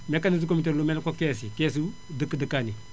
mécanisme communautaire lu mel ni que caisse yi keesu dëkk dëkkaan yi